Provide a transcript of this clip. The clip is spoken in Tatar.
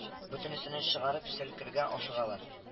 Бөтенесен чыгарып селкергә ашыгалар